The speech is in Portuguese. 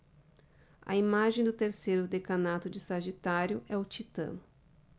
a imagem do terceiro decanato de sagitário é o titã